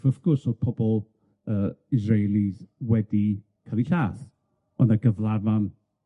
Wrth gwrs, odd pobol yy Israeli wedi ca'l 'u lladd, o' 'na gyflafan